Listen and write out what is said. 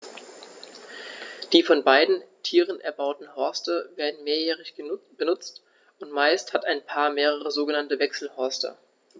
Die von beiden Tieren erbauten Horste werden mehrjährig benutzt, und meist hat ein Paar mehrere sogenannte Wechselhorste.